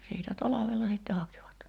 siitä talvella sitten hakivat